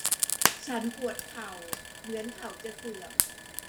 ฉันปวดเข่าเหมือนเข่าจะเสื่อม